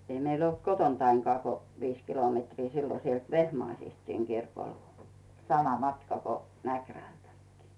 ei meillä ollut kotoanikaan kuin viisi kilometriä silloin sieltä Vehmaisista sinne kirkolle sama matka kuin Mäkrältäkin